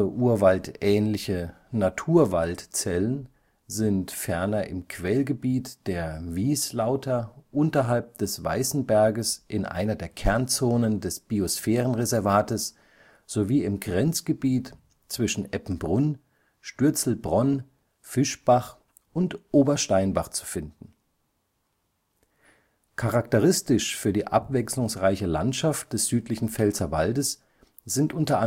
urwaldähnliche „ Naturwaldzellen “sind ferner im Quellgebiet der (Wies) - Lauter unterhalb des Weißenberges in einer der Kernzonen des Biosphärenreservates sowie im Grenzgebiet zwischen Eppenbrunn, Stürzelbronn, Fischbach und Obersteinbach zu finden. Charakteristisch für die abwechslungsreiche Landschaft des südlichen Pfälzerwaldes sind u. a.